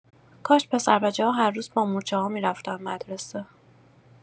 کاش پسر بچه‌ها هر روز با مورچه‌ها می‌رفتن مدرسه.